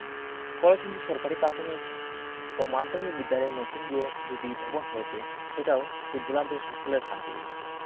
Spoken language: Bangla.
কলসিন্দুর সরকারি পাথমিক ও মাধ্যমিক বিদ্যালয়ে নতুন যে দুটি ভবন হয়েছে সেটাও ফুটবলারদের সাফল্যের হাত ধরেই